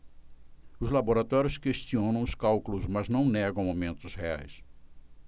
os laboratórios questionam os cálculos mas não negam aumentos reais